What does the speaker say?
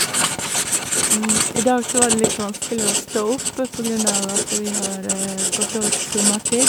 I dag så var det litt vanskelig å stå opp, på grunn av at vi har gått over til sommertid.